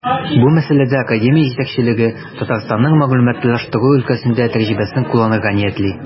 Бу мәсьәләдә академия җитәкчелеге Татарстанның мәгълүматлаштыру өлкәсендә тәҗрибәсен кулланырга ниятли.